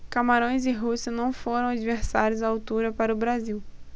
camarões e rússia não foram adversários à altura para o brasil